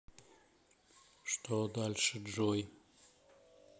что дальше джой